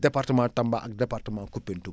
département Tamba ak département Koupentoume